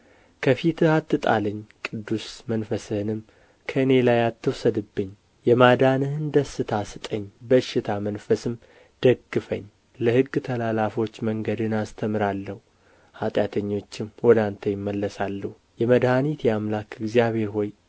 ከፊትህ አትጣለኝ ቅዱስ መንፈስህንም ከእኔ ላይ አትውሰድብኝ የማዳንህን ደስታ ስጠኝ በእሽታ መንፈስም ደግፈኝ ለሕግ ተላላፎች መንገድህን አስተምራለሁ ኃጢአተኞችም ወደ አንተ ይመለሳሉ የመድኃኒቴ አምላክ እግዚአብሔር ሆይ